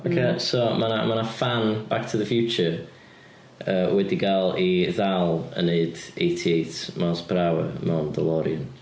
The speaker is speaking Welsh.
Ocê so ma' na mae 'na ffan Back to the Future yy wedi cael ei ddal yn wneud eighty eight miles per hour mewn Delorian.